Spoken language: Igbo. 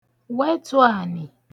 wẹtù ànị̀